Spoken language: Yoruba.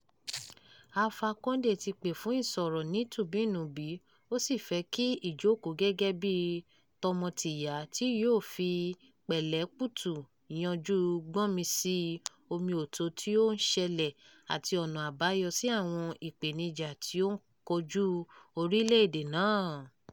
Alpha Condé ti pè fún ìsọ̀rọ̀ ní tùnbíǹnùbí ó sì fẹ́ kí ìjókòó gẹ́gẹ́ bí tọmọtìyá tí yóò fi pẹ̀lẹ́pùtù yanjú gbọ́nmi-síi-omi-ò-tóo tí ó ń ṣẹlẹ̀ àti ọ̀nà àbáyọ sí àwọn ìpèníjà tí ó ń kojú orílẹ̀-èdè náà.